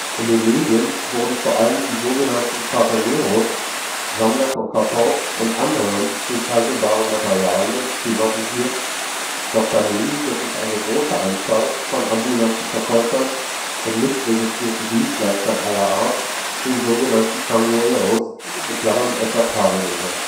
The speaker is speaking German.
In den Medien wurden vor allem die sogenannten cartoneros – Sammler von Karton und anderen recycelbaren Materialien – thematisiert, doch daneben gibt es eine große Anzahl von ambulanten Verkäufern und nicht registrierten Dienstleistern aller Art, den sogenannten changueros (etwa: Tagelöhner